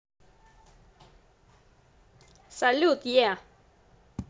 салют е